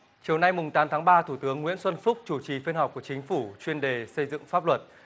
chiều nay mùng tám tháng ba thủ tướng nguyễn xuân phúc chủ trì phiên họp của chính phủ chuyên đề xây dựng pháp luật